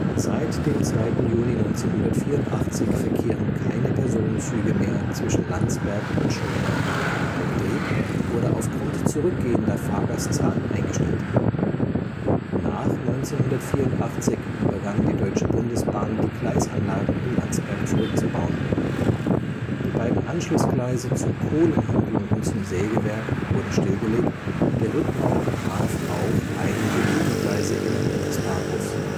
Seit dem 2. Juni 1984 verkehren keine Personenzüge mehr zwischen Landsberg und Schongau, der Betrieb wurde aufgrund zurückgehender Fahrgastzahlen eingestellt. Nach 1984 begann die Deutsche Bundesbahn die Gleisanlagen in Landsberg zurückzubauen. Die beiden Anschlussgleise zur Kohlenhandlung und zum Sägewerk wurden stillgelegt, der Rückbau betraf auch einige Gütergleise innerhalb des Bahnhofs